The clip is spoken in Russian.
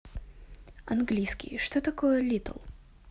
английский что такое little